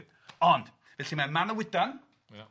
Ond, felly mae Manawydan... Ia.